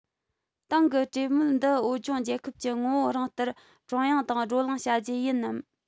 དེང གི གྲོས མོལ འདི བོད ལྗོངས རྒྱལ ཁབ ཀྱི ངོ བོ རང ལྟར ཀྲུང དབྱང དང བགྲོ གླེང བྱ རྒྱུ ཡིན ནམ